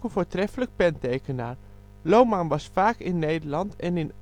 voortreffelijk pentekenaar. Loman was vaak in Nederland en in